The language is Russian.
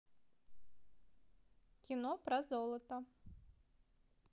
кино про золото